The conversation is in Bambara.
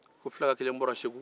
ko filakɛ kelen bɔra segu